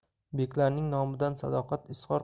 beklarning nomidan sadoqat izhor